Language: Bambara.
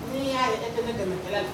N'i y'a ye e tɛ ne dɛmɛ kɛlɛ la